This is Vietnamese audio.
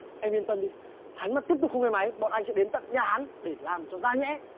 em yên tâm đi hắn vẫn tiếp tục không nghe máy bọn anh sẽ đến tận nhà hắn để làm cho ra nhẽ